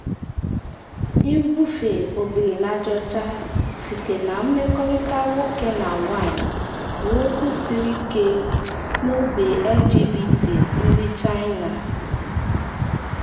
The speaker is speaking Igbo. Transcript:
Nbufe HIV site na mmekọrịta nwoke na nwanyị bụ okwu siri ike n’ogbe LGBT ndị China.